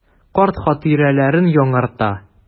Карт хатирәләрен яңарта.